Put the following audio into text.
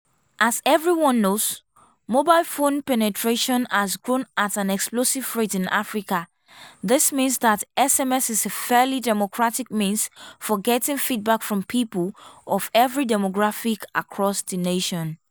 As everyone knows, mobile phone penetration has grown at an explosive rate in Africa, this means that SMS is a fairly democratic means for getting feedback from people of every demographic across the nation.